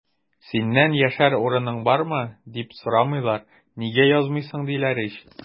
Синнән яшәр урының бармы, дип сорамыйлар, нигә язмыйсың, диләр ич!